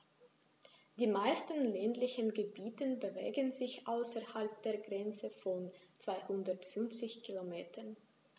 Die meisten ländlichen Gebiete bewegen sich außerhalb der Grenze von 250 Kilometern.